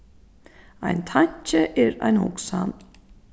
ein tanki er ein hugsan